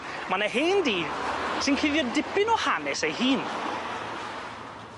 ma' 'ne hen dŷ sy'n cuddio dipyn o hanes ei hun.